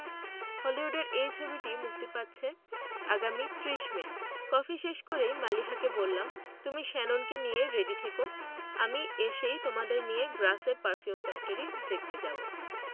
হলিউডের এই ছবিটি মুক্তি পাচ্ছে আগামী ৩০ মে কফি শেষ করেই মালিহাকে বললাম তুমি শ্যাননকে নিয়ে রেডি থেকো আমি এসেই তোমাদের নিয়ে গ্রাসে পারফিউম ফ্যাক্টরি দেখতে যাবো